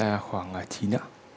dạ em khoảng chín ạ